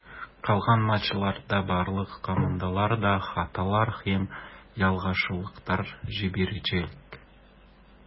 Калган матчларда барлык командалар да хаталар һәм ялгышлыклар җибәрәчәк.